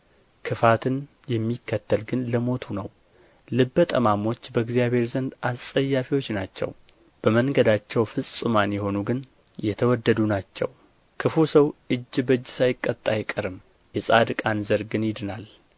ክፋትን የሚከተል ግን ለሞቱ ነው ልበ ጠማሞች በእግዚአብሔር ዘንድ አስጸያፊዎች ናቸው በመንገዳቸው ፍጹማን የሆኑ ግን የተወደዱ ናቸው ክፉ ሰው እጅ በእጅ ሳይቀጣ አይቀርም የጻድቃን ዘር ግን ይድናል